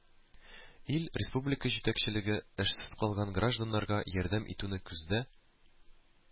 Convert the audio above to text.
Ил, республика итәкчелеге эшсез калган гражданнарга ярдәм итүне күздә